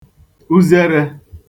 uzerē